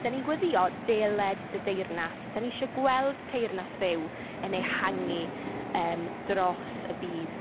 Dan ni'n gweddïo, "deled dy deyrnas". Dan ni isio gweld teyrnas Dduw yn ehangu, yym, dros y byd.